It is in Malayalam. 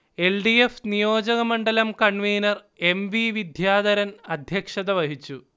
എൽ. ഡി. എഫ്. നിയോജകമണ്ഡലം കൺവീനർ എം. വി. വിദ്യാധരൻ അധ്യക്ഷത വഹിച്ചു